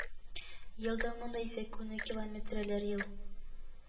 Ел дәвамында исә, күнекилометрәләр ел